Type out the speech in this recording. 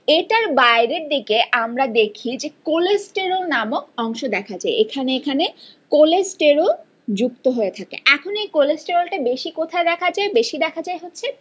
এটার বাইরের দিকে আমরা দেখি যে কোলেস্টেরল নামক অংশ দেখা যায় এখানে এখানে কোলেস্টেরল যুক্ত হয়ে থাকে এখন এই কোলেস্টেরল টা বেশি কোথায় দেখা যায় বেশি দেখা যায় হচ্ছে